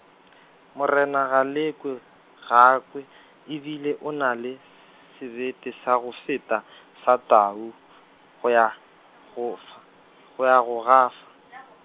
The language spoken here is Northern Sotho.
morena Galekwe, ga a kwe , e bile o na le sebete sa go feta sa tau, go ya gofa, go ya gafa .